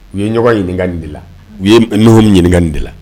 U ye ɲɔgɔn ɲininkaka nin de la u ye nunu ɲininkaka de la